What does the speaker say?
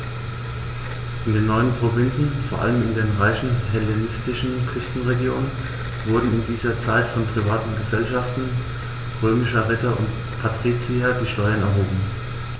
In den neuen Provinzen, vor allem in den reichen hellenistischen Küstenregionen, wurden in dieser Zeit von privaten „Gesellschaften“ römischer Ritter und Patrizier die Steuern erhoben.